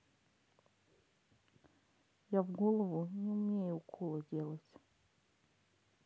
я в голову не умею уколы делать